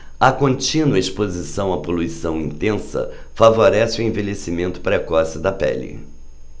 a contínua exposição à poluição intensa favorece o envelhecimento precoce da pele